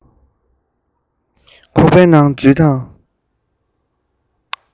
ཁོག པའི ནང འཛུལ དང